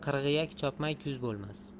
qirg'iyak chopmay kuz bo'lmas